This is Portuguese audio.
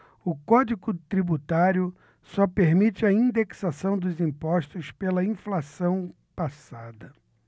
o código tributário só permite a indexação dos impostos pela inflação passada